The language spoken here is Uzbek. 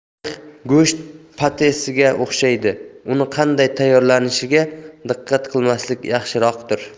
tarix go'sht pate siga o'xshaydi uni qanday tayyorlanishiga diqqat qilmaslik yaxshiroqdir